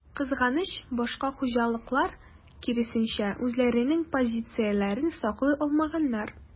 Кызганыч, башка хуҗалыклар, киресенчә, үзләренең позицияләрен саклый алмаганнар.